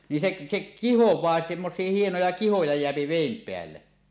niin se se kihoaa semmoisia hienoja kihoja jää veden päälle